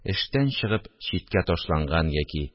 Эштән чыгып читкә ташланган яки